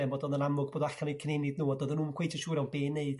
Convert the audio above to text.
'de bod o'dd o'n amlwg bod allan o'u cyn'enid nhw a do'dden nhw'm cweit yn siŵr o be' i neud